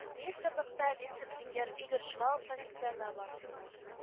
Министрлыкта вице-премьер игорь шуваловтан йөкләмә бар